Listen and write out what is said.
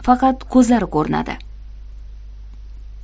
faqat ko'zlari ko'rinadi